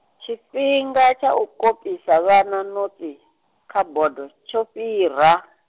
tshifhinga tsha u kopisa vhana notsi, kha bodo, tsho fhira .